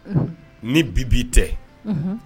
Ni bibi tɛ